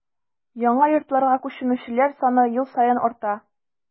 Яңа йортларга күченүчеләр саны ел саен арта.